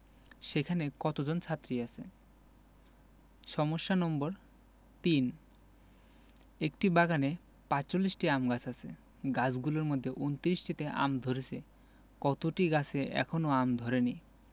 সেখানে কতজন ছাত্রী আছে সমস্যা নম্বর ৩ একটি বাগানে ৪৫টি আম গাছ আছে গাছগুলোর মধ্যে ২৯টিতে আম ধরেছে কতটি গাছে এখনও আম ধরেনি